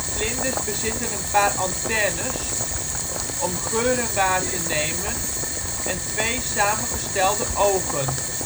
Vlinders bezitten een paar antennes om geuren waar te nemen en twee samengestelde ogen